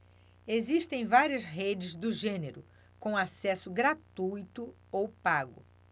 existem várias redes do gênero com acesso gratuito ou pago